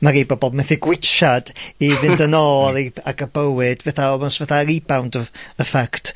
ma' rai bobol methu gwytsiad i... ...fynd yn ôl i ag y bywyd fetha, almost fatha rebound of effect